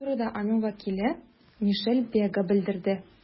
Бу турыда аның вәкиле Мишель Бега белдерде.